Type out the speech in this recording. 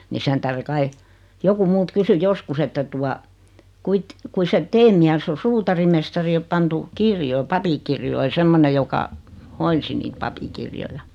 niin sen tähden kai joku minulta kysyi joskus että tuota kuinka kuinka se teidän mies on suutarimestari on pantu kirjoihin papinkirjoihin semmoinen joka hoiti niitä papinkirjoja